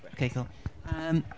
Okay cool. Yym.